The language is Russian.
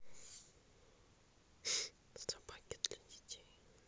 собаки для детей